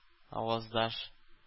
Аваздаш